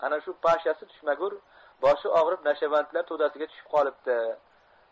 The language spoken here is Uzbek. ana shu pashasi tushmagur boshi og'ib nashavandlar to'dasiga tushib qolibdi